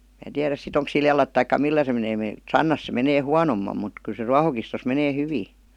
minä tiedä sitten onko sillä jalat tai millä se menee - sannassa se menee huonommin mutta kyllä se ruohokistossa menee hyvin